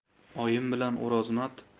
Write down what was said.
oyim bilan o'rozmat hali